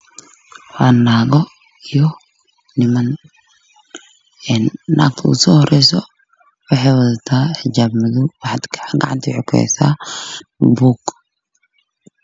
Waa naago iyo niman naagta usoo horeyso waxey wadataa xijaab madow ah